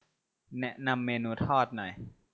แนะนำเมนูทอดหน่อย